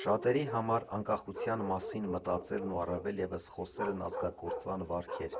Շատերի համար անկախության մասին մտածելն ու առավել ևս խոսելն ազգակործան վարք էր,